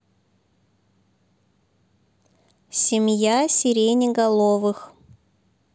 семья сиреноголовых